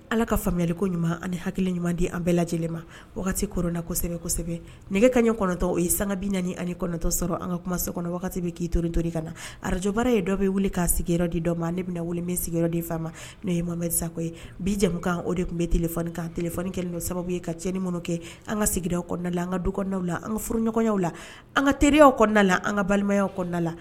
Ala ka faamuyayaliko ɲuman ani hakili ɲuman di an bɛɛ lajɛlen ma wagati konasɛbɛsɛbɛ nɛgɛ ka ɲɛ kɔnɔntɔ o ye sanbi naanitɔ sɔrɔ an ka kumase kɔnɔ bɛ k kii to to ka na ararajobaa ye dɔ bɛ wuli k'a sigi di dɔ ma ne bɛna wale min sigiyɔrɔ de fa ma n'o ye mamameri sakɔ ye bijamukan o de tun bɛ t kan t tilef2 kelen don sababu ye ka cɛn minnu kɛ an ka sigiyɔrɔ kɔnɔnada la an ka duw la an ka furuɲɔgɔnw la an ka teriereya kɔnɔna la an ka balimaya kɔnɔna la